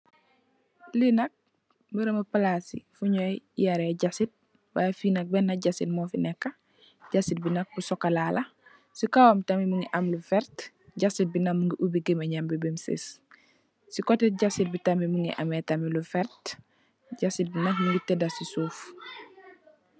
Li nak mburëbu palaas ci Fu nu yarè jazit why fi nakk benna jazit mu fi nekka. Jazit bi nak bi sokola la, ci kawam tamit mungi am lu vert, jazit bi nak mungi ubi gémeñam bi bèm sës. Ci kotè jazit bi tamit mungi ameh tamit lu vert. Jazit bi nak mungi tëda ci suuf.